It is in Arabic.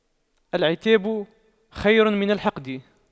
العتاب خير من الحقد